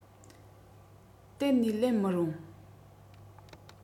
གཏན ནས ལེན མི རུང